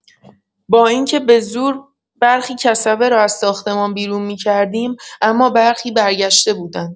با اینکه به‌زور برخی کسبه را از ساختمان بیرون می‌کردیم، اما برخی برگشته بودند.